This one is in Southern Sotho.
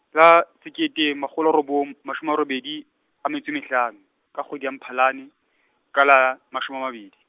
ka sekete, makgolo a robong, mashome robedi, a metso e mehlano, ka kgwedi ya Mphalane, ka la, mashome a mabedi.